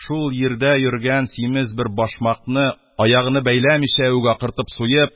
Шул йирдә йөргән симез бер башмакны, аягыны бәйләмичә үк, акыртып суеп